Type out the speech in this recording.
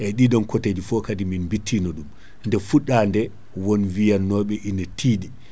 eyyi ɗiɗon coté foo kaadi min bittino ɗum nde fuɗɗa nde won wiyannoɓe ina tiiɗi